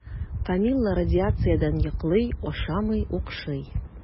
Камилла радиациядән йоклый, ашамый, укшый.